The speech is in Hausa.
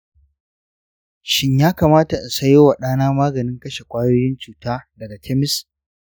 shin ya kamata in sayo wa ɗana maganin kashe kwayoyin cuta daga kemis?